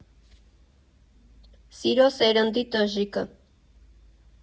Սիրո սերնդի տժժիկը։